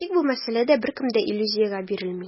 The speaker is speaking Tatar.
Тик бу мәсьәләдә беркем дә иллюзиягә бирелми.